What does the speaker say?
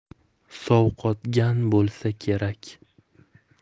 sovqotgan bo'lsa kerak